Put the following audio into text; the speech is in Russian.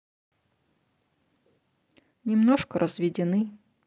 немножко разведены